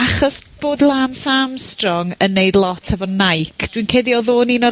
achos bod Lance Armstrong yn neud lot hefo Nike, dwi'n credu odd o'n un o'r